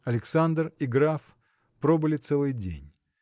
Александр и граф пробыли целый день.